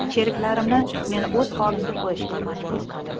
sheriklarimni meni o'z holimga qo'yishga majbur qildim